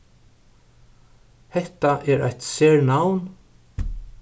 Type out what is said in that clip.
hetta er eitt sernavn